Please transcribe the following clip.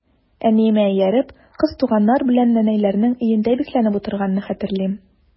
Әниемә ияреп, кыз туганнар белән нәнәйләрнең өендә бикләнеп утырганны хәтерлим.